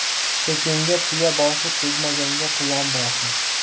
tekkanga tuya boshi tegmaganga quyon boshi